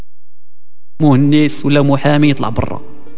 مهندس ولا محامي يطلع برا